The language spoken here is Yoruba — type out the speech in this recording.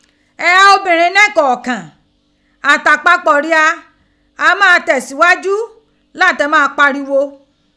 igha obìnrin níkọ̀ọ̀kan àti àpapọ̀ọ ria, a máa tẹ̀síghajú láti máa parigho.